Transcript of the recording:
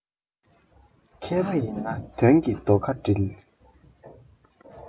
མཁས པ ཡིན ན དོན གྱི རྡོ ཁ སྒྲིལ